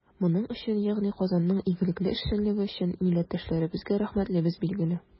Моның өчен, ягъни Казанның игелекле эшчәнлеге өчен, милләттәшләребезгә рәхмәтлебез, билгеле.